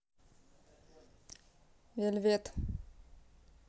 вельвет